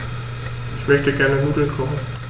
Ich möchte gerne Nudeln kochen.